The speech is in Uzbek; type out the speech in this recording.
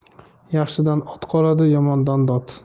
yaxshidan ot qoladi yomondan dod